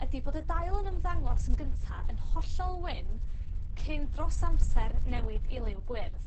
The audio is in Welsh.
ydi bod y dail yn ymddangos yn gynta yn hollol wyn cyn dros amser newid i liw gwyrdd